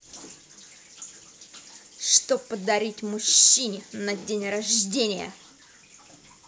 что подарить мужчине на день рождения